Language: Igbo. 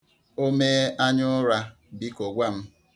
O mee anyaụra, biko gwa m.